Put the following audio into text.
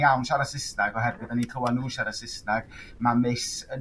iawn siarad Susnag oherwydd 'da ni 'di clwad n'w'n siarad Susnag ma' Miss yn